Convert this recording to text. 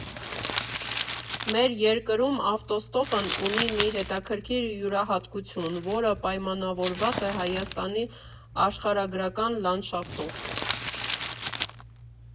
Մեր երկրում ավտոստոպն ունի մի հետաքրքիր յուրահատկություն, որը պայմանավորված է Հայաստանի աշխարհագրական լանդշաֆտով։